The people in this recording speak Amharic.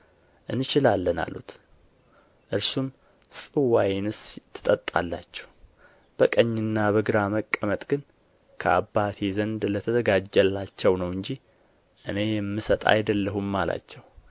እንችላለን አሉት እርሱም ጽዋዬንስ ትጠጣላችሁ በቀኝና በግራ መቀመጥ ግን ከአባቴ ዘንድ ለተዘጋጀላቸው ነው እንጂ እኔ የምሰጥ አይደለሁም አላቸው